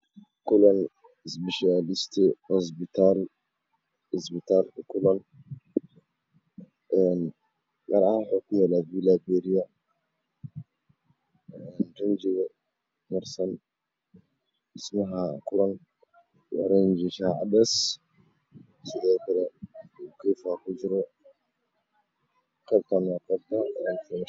kukulan. hulan isbital gaar ahaan waxa uu ku yalaa